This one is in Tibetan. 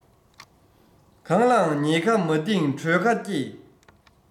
གང ལའང ཉེས ཁ མ འདིངས གྲོས ཁ སྐྱེད